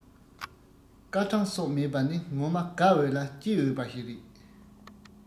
སྐར གྲངས སོགས མེད པ ནི ངོ མ དགའ འོས ལ སྐྱིད འོས པ ཞིག རེད